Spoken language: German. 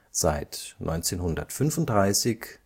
seit 1935